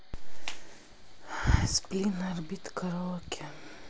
сплин орбит караоке